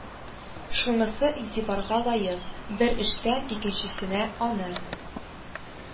Шунысы игътибарга лаек: бер эштән икенчесенә аны